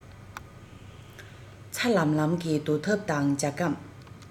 ཚ ལམ ལམ གྱི རྡོ ཐབ དང ཇ སྒམ